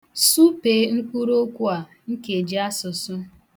Supee mkpụrụokwu a ''nkejiasụsụ''.